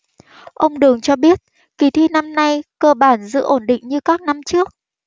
ông đường cho biết kỳ thi năm nay cơ bản giữ ổn định như các năm trước